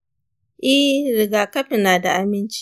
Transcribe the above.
eh, rigakafi na da aminci.